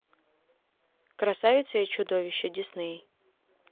красавица и чудовище дисней